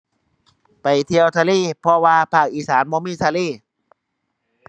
ไปเที่ยวทะเล เพราะว่าภาคอีสานบ่มีทะเล